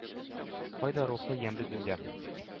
Кайда рухлы ямьле дөнья,